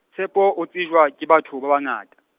Tshepo o tsejwa ke batho, ba bangata.